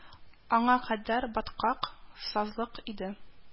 Аңа кадәр баткак, сазлык иде